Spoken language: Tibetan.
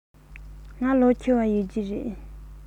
ང ལོ ཆེ བ ཡོད ཀྱི རེད